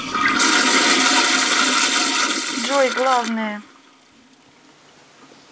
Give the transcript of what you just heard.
джой главное